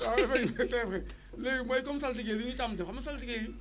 waaw c' est vrai léegi mooy comme saltige yi li ñu tàmm di def xam nga saltige yi